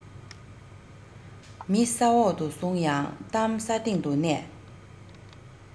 མི ས འོག དུ སོང ཡང གཏམ ས སྟེང དུ གནས